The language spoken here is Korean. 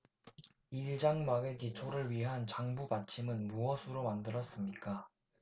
일 장막의 기초를 위한 장부 받침은 무엇으로 만들었습니까